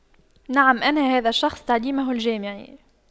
نعم أنهى هذا الشخص تعليمه الجامعي